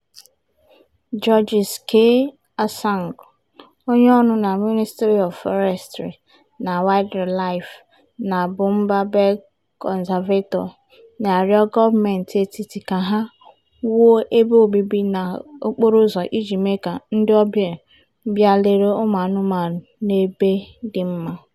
Georges K. Azangue, onyeọrụ na Ministry of Forestry and Wildlife and Boumba Bek Conservator na-arịọ gọọmentị etiti ka ha "wuo ebe obibi na okporoụzọ iji mee ka ndịọbịa bịa lere ụmụanụmanụ n'ebe dị mma."